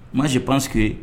Msi panssigi